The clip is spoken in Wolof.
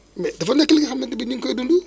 mais dafa nekk li nga xamante ne ñu ngi koy dund